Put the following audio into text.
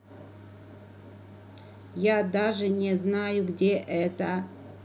я даже не знаю где это